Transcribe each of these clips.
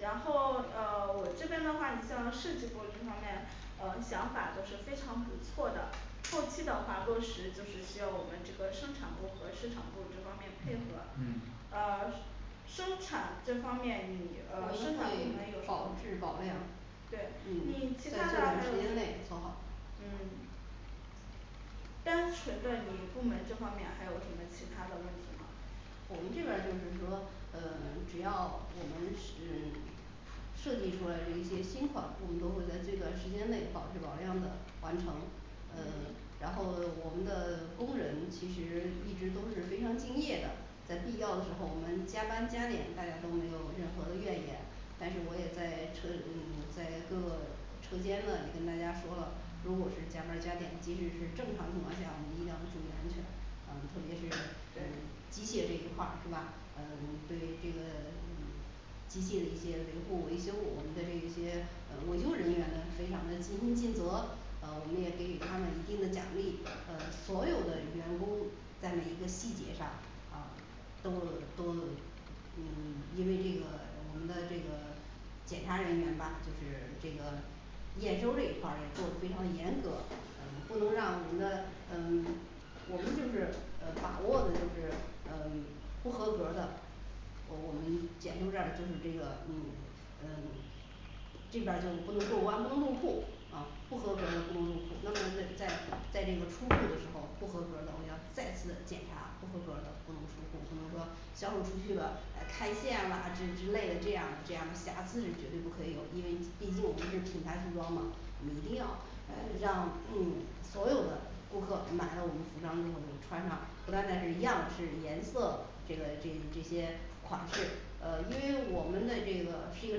然后呃 我这边的话你像设计部这方面呃想法都是非常不错的，后期的话落实就是需要我们这个生产部和市场部这方面配合嗯嗯呃生产这方面你我呃生们产部门有会什保质么。保量，嗯。在对你其最他的还短时有间内做好嗯单纯的你部门这方面还有什么其他的问题吗？我们这边儿就是说呃只要我们是设计出来的一些新款，我们都会在最短时间内保质保量的完成。嗯嗯然后我们的工人其实一直都是非常敬业的在必要的时候我们加班加点，大家都没有任何的怨言，但是我也在车嗯在各个车间呢也跟大家说了如果是加班儿加点，即使是正常情况下，我们一定要注意安全，嗯特别是嗯对机械这一块儿是吧？嗯对于这个机械的一些维护维修，我们的这些呃维修人员呢非常的尽心尽责，呃我们也给予他们一定的奖励，呃所有的员工在每一个细节上都都嗯因为这个我们的这个检查人员吧就是这个验收这一块儿也做得非常的严格，嗯不能让我们的嗯我们就是呃把握的就是嗯不合格儿的我我们检修这儿就是这个嗯嗯这边儿就不能过关，不能入库啊不合格儿的不能入库不能在在在这个出库的时候不合格儿的，我们要再次检查不合格儿的不能出库只能说呃看线啊之之类的，这样儿这样的瑕疵是绝对不可以有，因为毕竟我们是品牌服装嘛，你一定要啊让嗯所有的顾客买到我们服装的时候，穿上不单单是样式颜色这个这这些款式，呃因为我们的这个是一个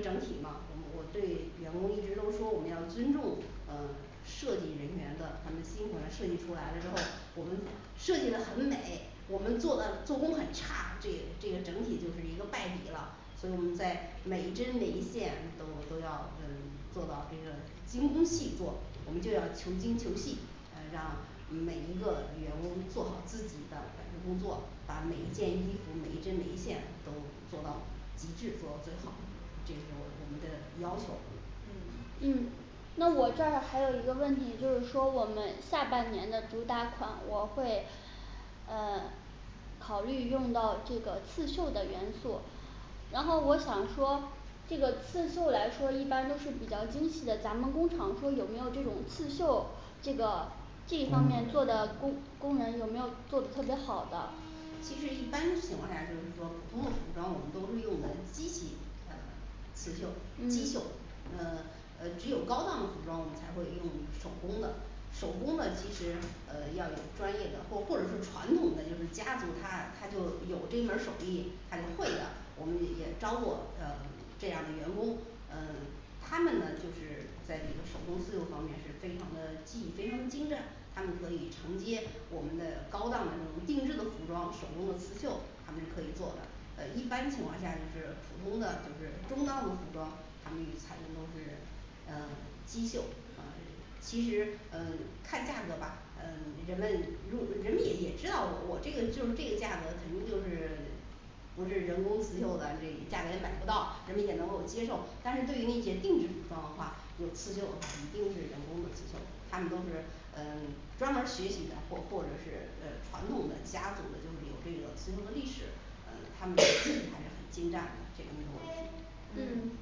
整体嘛，我我对员工一直都说我们要尊重嗯设计人员的，他们新款设计出来了之后，我们设计得很美，我们做的做工很差，这个这个整体就是一个败笔了，就是我们在每一针每一线都都要嗯做到这个精工细作，我们就要求精求细，嗯让每一个员工做好自己的本职工作，把每一件衣服每一针每一线都做到极致做到最好，这是我们的要求嗯嗯那我这儿还有一个问题就是说我们下半年的主打款我会嗯考虑用到这个刺绣的元素然后我想说这个刺绣来说一般都是比较精细的，咱们工厂说有没有这种刺绣这个这一方工人面做的工工人有没有做的特别好的其实一般情况下就是说普通的服装，我们都利用的是机器嗯刺绣机绣嗯，嗯嗯只有高档的服装我们才会用手工的，手工的其实呃要有专业的或或者是传统的就是家族，他他就有这门儿手艺他是会的，我们也招过呃这样儿的员工，嗯他们呢就是在这个手工刺绣方面是非常的技艺非常的精湛，他们可以承接我们的高档的这种定制的服装，手工的刺绣他们是可以做的。呃一般情况下是普通的就是中档的服装他们采用的是呃机绣啊其实嗯看价格吧呃人们人民也知道我这个就是这个价格肯定就是不是人工刺绣的，这价格也买不到，人们也能够接受，但是对于那些定制服装的话，有刺绣的话一定是人工的刺绣，他们都是嗯专门儿学习的，或或者是嗯传统的甲骨的，就是有这个刺绣的历史他们的技艺还是 很精湛的这工作嗯嗯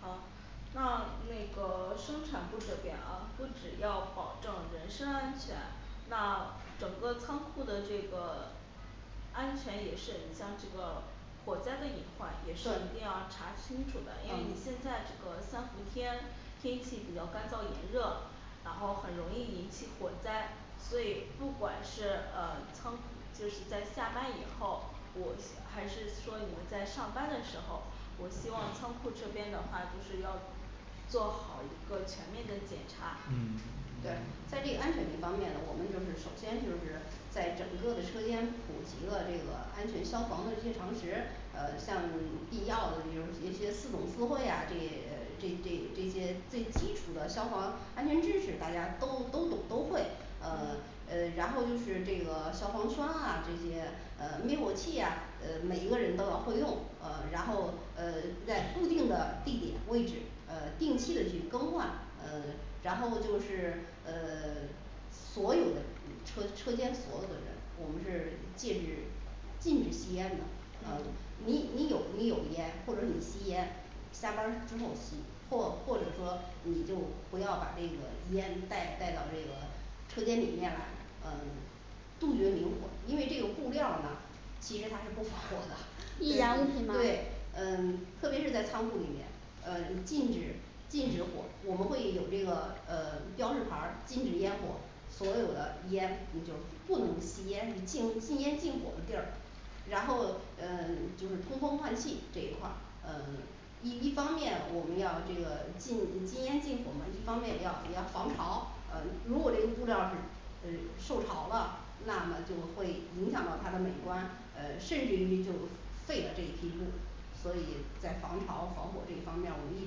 好那那个生产部这边啊不止要保证人身安全，那整个仓库的这个安全也是你像这个火灾的隐患也是一定对要查清楚的，因为你现在嗯这个三伏天，天气比较干燥炎热然后很容易引起火灾，所以不管是呃仓库就是在下班以后，我还是说你们在上班的时候，我希望仓库这边的话就是要做好一个全面的检查嗯对在这个安全这方面呢，我们就是首先就是在整个的车间普及了这个安全消防的一些常识，呃像必要的这种一些四懂四会啊这呃这这这些最基础的消防安全知识，大家都都懂都会嗯嗯嗯然后就是这个消防栓啊这些啊灭火器啊呃每一个人都要会用，嗯然后呃在固定的地点位置呃定期的去更换，嗯然后就是呃 所有的车车间所有的人，我们是截止禁止吸烟的，嗯嗯你你有你有烟或者你吸烟，下班儿之后吸或或者说你就不要把这个烟带带到这个车间里面来，嗯杜绝明火，因为这个布料儿呢其实它是不防火易燃物品的吗，对，嗯特别是在仓库里面嗯禁止禁止火，我们会有这个呃标志牌儿，禁止烟火所有的烟你就不能吸烟，你进入禁烟禁火的地儿然后嗯就是通风换气这一块儿嗯一一方面我们要这个禁禁烟禁火嘛，一方面要也要防潮，啊如果这个布料儿是嗯受潮了，那么就会影响到它的美观，嗯甚至于就是废了这批布所以在防潮防火这一方面儿，我们一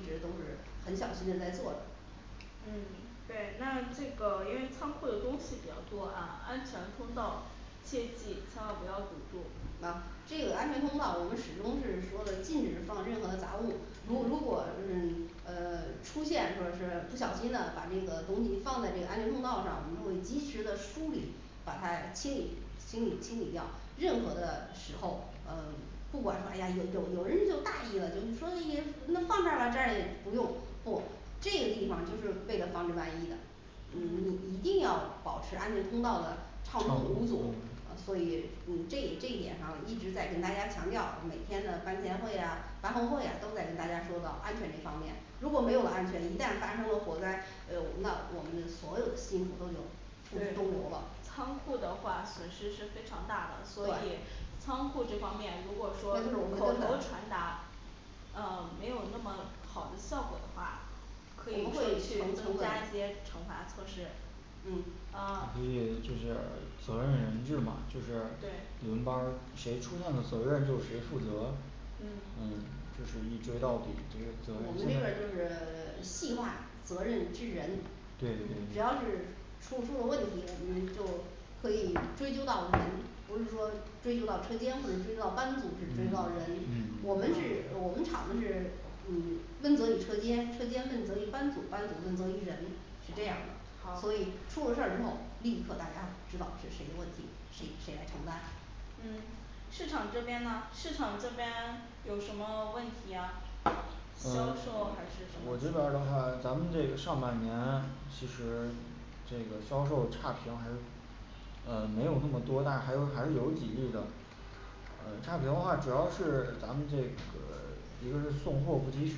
直都是很小心的在做的。嗯对那这个因为仓库的东西比较多啊，安全通道切记千万不要堵住啊这个安全通道，我们始终是说的禁止放任何的杂物，如如嗯果嗯呃出现说是不小心的把那个东西放在这个安全通道上，我们就会及时的梳理把它清理清理清理掉，任何的时候嗯不管说诶呀有有有人就大意了，就所以那放这儿啦这儿也不用不这个地方就是为了防止万一的你一嗯定要保持安全通道的畅畅通无通阻嗯，所以嗯这这一点上一直在跟大家强调，每天的班前会呀班后会呀都在跟大家说到安全这方面，如果没有了安全，一旦发生了火灾，呃那我们的所有的辛苦都就付之对东流了，仓库的话损失是非常大的，所对以仓库这方面如果说口头传达嗯没有那么好的效果的话，可以我说去们增加一会些惩罚措施。嗯呃可以就是责任人制嘛就是对你们班，儿谁出现的责任就是谁负责嗯嗯就是一追到底这个责任，我们这现边在儿就是细化责任至人，对只对要是出出了问题，我们就可以追究到人不是说追究到车间，可能追究到班组追究到人，我嗯嗯们是我们厂是嗯问责于车间车间问责于班组班组问责于人是这样的，所以好出了事儿之后立刻大家知道是谁的问题谁谁来承担嗯市场这边呢市场这边有什么问题呀，呃销售还是什我么，这边儿的话咱们这个上半年其实这个销售差评还是呃没有那么多，但是还有还是有几例的。呃差评的话主要是咱们这个一个是送货不及时，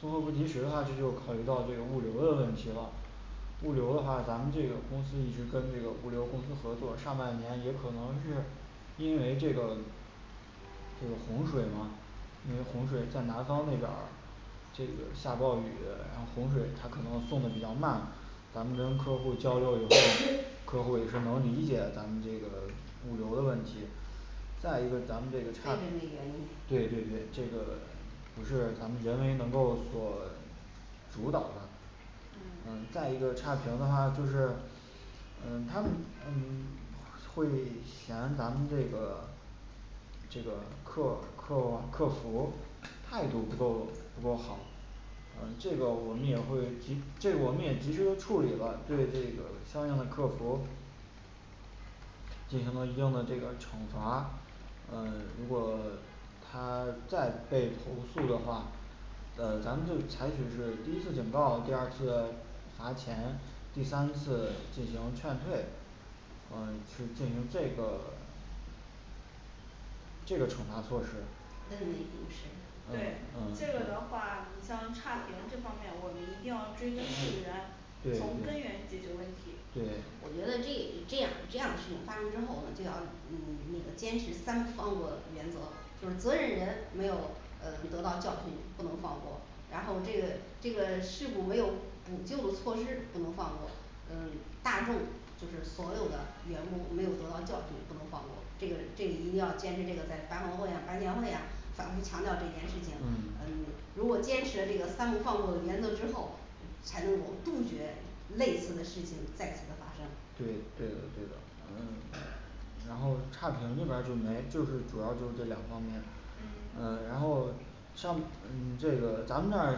送货不及时的话这就考虑到这个物流的问题了物流的话咱们这个公司一直跟这个物流公司合作，上半年也可能是因为这个这个洪水嘛，因为洪水在南方那边儿这个下暴雨，然后洪水他可能送的比较慢咱们跟客户交流以后，客户也 是能理解咱们这个物流的问题。再一个咱们这个疫差情的原，对对因对这个不是咱们人为能够所主导的嗯嗯再一个差评的话，就是嗯他们嗯会嫌咱们这个这个客客客服态度不够不够好嗯这个我们也会及这个我们也及时的处理了对这个相应的客服进行了一定的这个惩罚。嗯如果他再被投诉的话呃咱们就采取是第一次警告，第二次罚钱，第三次进行劝退，嗯去进行这个这个惩罚措施，嗯嗯对这个嗯的话你像差评这方面，我们一定要追根溯源对，从根源解决对问题对我觉得这这样这样的事情发生之后，我们就要嗯那个坚持三不放过原则就是责任人没有嗯得到教训不能放过然后这个这个事故没有补救的措施不能放过，嗯大众就是所有的员工没有得到教训不能放过这个这个一定要坚持这个在班后会呀班前会呀反复强调这件事情，嗯嗯如果坚持这个三不放过的原则之后才能够杜绝类似的事情再次的发生对对的对的反正然后差评这边儿就没就是主要就是这两方面嗯嗯然后像嗯这个咱们这儿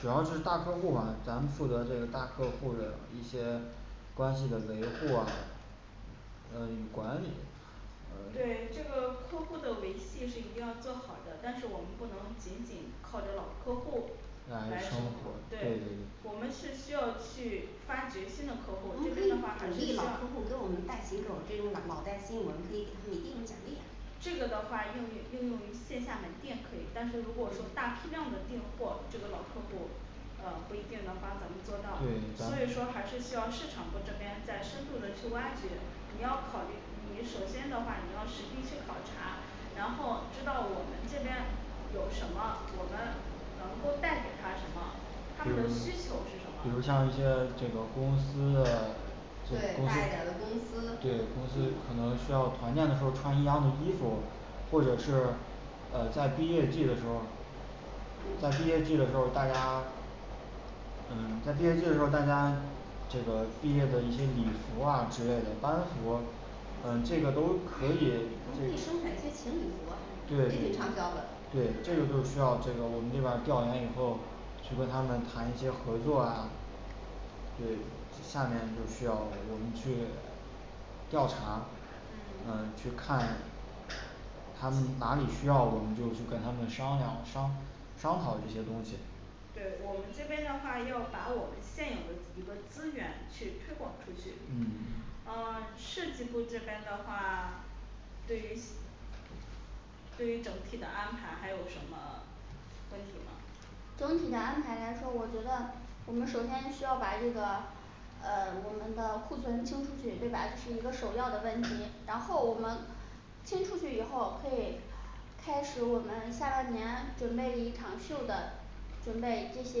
主要就是大客户嘛，咱们负责这个大客户儿的一些关系的维护啊呃与管理对嗯这个客户的维系是一定要做好的，但是我们不能仅仅靠着老客户来来生生活活，，对对对，我们对是需要去发掘新的我们客户，这可边以的话还是鼓励需要老客户给我们带新客户，这种老老带新我们可以提出一定的奖励呀这个的话应用应用于线下门店可以，但是如果说大嗯批量的订货，这个老客户呃不一定能帮咱们做对到，所以说还咱是需要市场部这边再深度的去挖掘你要考虑你首先的话你要实地去考察，然后知道我们这边有什么，我们能够带给他什么他们比如的需求是什比如么？像一些这个公司 这对大一点儿个的公公司对司公司可能需要团建的时候穿一样的衣服，或者是呃在毕业季的时候儿在毕业嗯季的时候儿，大家嗯在毕业季的时候儿大家这个毕业的一些礼服啊之类的班服儿嗯这个都可以我们可以这，生产些情侣服啊，对对也挺畅销对这的个就需要这个我们这边儿调研以后去跟他们谈一些合作啊对，下面就需要我们去调查，嗯嗯去看他们哪里需要我们就去跟他们商量商商讨这些东西对，我们这边的话要把我们现有的一个资源去推广出去嗯嗯嗯 设计部这边的话，对于现 对于整体的安排还有什么问题吗整体的安排来说，我觉得我们首先需要把这个呃我们的库存清出去，对吧？这是一个首要的问题，然后我们清出去以后可以开始我们下半年准备一场秀的，准备这些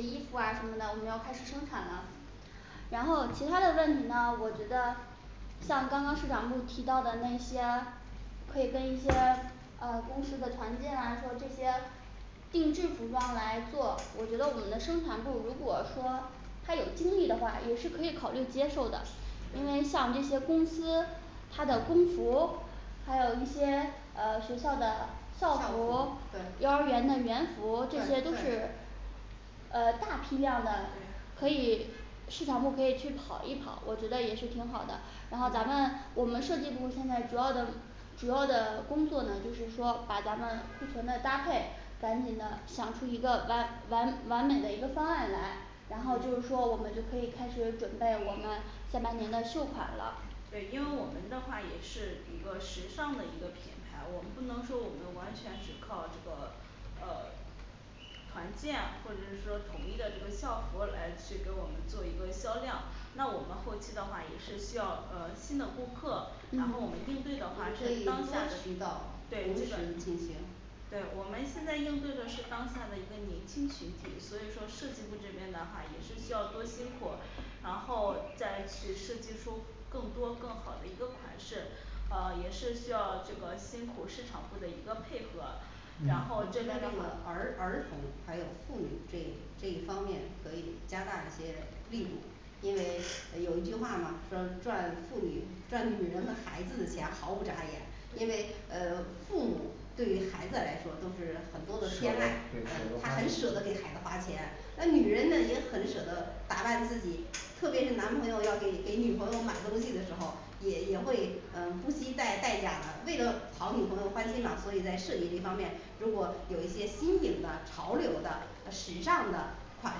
衣服啊什么的，我们要开始生产了然后其他的问题呢我觉得像刚刚市场部提到的那些可以跟一些啊公司的团建啊说这些定制服装来做，我觉得我们的生产部如果说他有精力的话，也是可以考虑接受的。因为对像这些公司他的工服还有一些呃学校的校校服服，对，幼儿园的园服，这些对都对是呃大批量的，可对，以市场部可以去跑一跑，我觉得也是挺好的。然后咱们嗯我们设计部现在主要的主要的工作呢就是说把咱们库存的搭配赶紧的想出一个完完完美的一个方案来然后就是嗯说我们就可以开始准备我们下半年的秀款了，对，因为我们的话也是一个时尚的一个品牌，我们不能说我们完全只靠这个呃团建或者是说统一的这个校服来去给我们做一个销量，那我们后期的话也是需要呃新的顾客，然后我们我嗯应对的话们可是以多当下渠的道对同这个时进行对我们现在应对的是当下的一个年轻群体，所以说设计部这边的话也是需要多辛苦，然后再去设计出更多更好的一个款式，呃也是需要这个辛苦市场部的一个配合。然后这嗯边的这个话儿儿童还有妇女这一这一方面可以加大一些力度因为有一句话嘛说赚妇女赚女人和孩子的钱毫不眨眼因为呃父母对于孩子来说都是很舍多得的偏爱，他很舍得给对舍孩子得花钱花钱那女人呢也很舍得打扮自己，特别是男朋友要给给女朋友买东西的时候也也会嗯不惜代代价的，为了讨女朋友欢心呢。所以在设计这方面，如果有一些新颖的潮流的呃时尚的款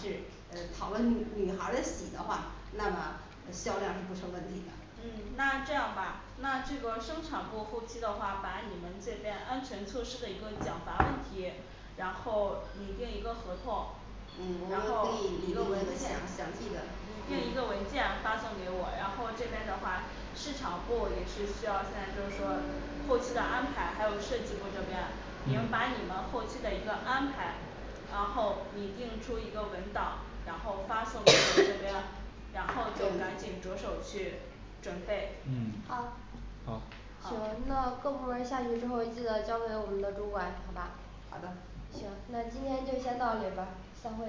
式呃讨论女女孩儿的喜的话，那么销量是不成问题的嗯那这样吧那这个生产部后期的话把你们这边安全措施的一个奖罚问题，然后你订一个合同嗯然后一个我们文可以件详细的你建嗯一个文件发送给我，然后这边的话市场部也是需要现在就是说后期的安排，还有设计部这边，你们把嗯你们后期的一个安排然后拟定出一个文档，然后发送给我这边 ，然后就赶紧着手去准备嗯好好行好那各部门儿下去之后记得交给我们的主管行吧，好的行，那今天就先到这里吧，散会。